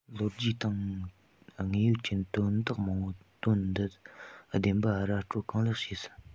ལོ རྒྱུས དང དངོས ཡོད ཀྱི དོན དག མང པོས དོན འདི བདེན པ ར སྤྲོད གང ལེགས བྱས ཟིན